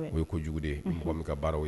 O ye ko jugu de k' bɛ ka baaraw ye